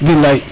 bilay